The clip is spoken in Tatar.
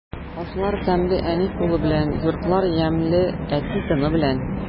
Ашлар тәмле әни кулы белән, йортлар ямьле әти тыны белән.